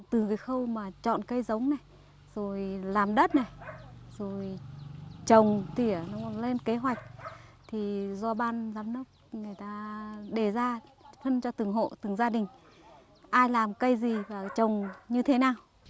từ cái khâu mà chọn cây giống này rồi làm đất này rồi trồng tỉa lên kế hoạch thì do ban giám đốc người ta đề ra phân cho từng hộ từng gia đình ai làm cây gì và trồng như thế nào